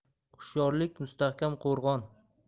hushyorlik mustahkam qo'rg'on